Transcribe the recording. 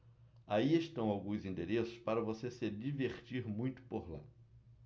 aí estão alguns endereços para você se divertir muito por lá